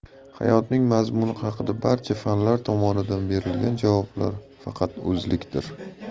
hayotning mazmuni haqida barcha fanlar tomonidan berilgan javoblar faqat o'zlikdir